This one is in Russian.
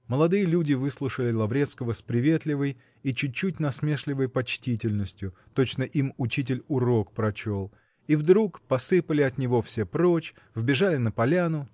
Молодые люди выслушали Лаврецкого с приветливой и чуть-чуть насмешливой почтительностью, -- точно им учитель урок прочел, -- и вдруг посыпали от него все прочь, вбежали на поляну